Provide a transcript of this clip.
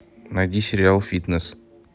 найди сериал фитнес